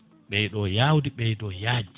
ɓeydo yawde ɓeydo yajde